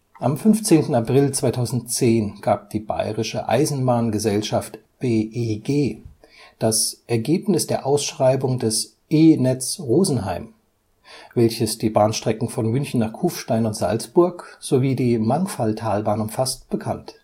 Am 15. April 2010 gab die Bayerische Eisenbahngesellschaft (BEG) das Ergebnis der Ausschreibung des „ E-Netz Rosenheim “, welches die Bahnstrecken von München nach Kufstein und Salzburg, sowie die Mangfalltalbahn umfasst, bekannt